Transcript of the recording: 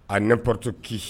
À n'importe qui